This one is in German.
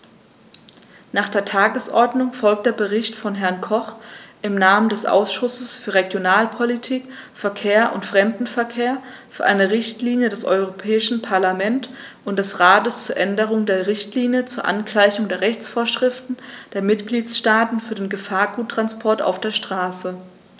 Nach der Tagesordnung folgt der Bericht von Herrn Koch im Namen des Ausschusses für Regionalpolitik, Verkehr und Fremdenverkehr für eine Richtlinie des Europäischen Parlament und des Rates zur Änderung der Richtlinie zur Angleichung der Rechtsvorschriften der Mitgliedstaaten für den Gefahrguttransport auf der Straße.